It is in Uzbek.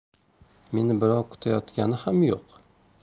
meni birov kutayotgani ham yo'q